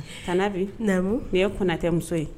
Kana bi n ye kotɛ muso ye